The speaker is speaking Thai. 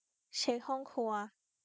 เช็คห้องครัว